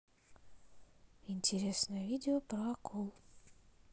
интересные видео про акул